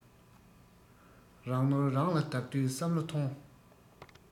རང ནོར རང ལ བདག དུས བསམ བློ ཐོངས